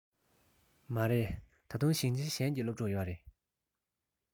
མ རེད ད དུང ཞིང ཆེན གཞན གྱི སློབ ཕྲུག ཡོད རེད